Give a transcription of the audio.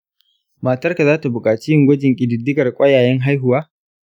matarka za ta bukaci yin gwajin ƙididdigar ƙwayayen haihuwa .